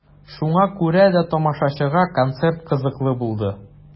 Шуңа күрә дә тамашачыга концерт кызыклы булды.